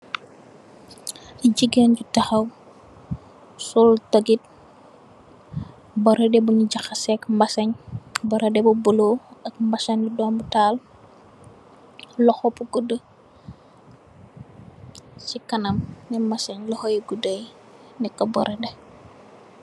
Jigéen ji taxaw, sol dagit, bordeh bu gaxahess ak mbasen. Bordeh bu bulo ak mbasen domital, luxo bu gudda, ci kanam mbasen luxoyi gudda yi neka bordeh.